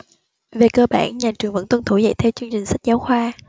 về cơ bản nhà trường vẫn tuân thủ dạy theo chương trình sách giáo khoa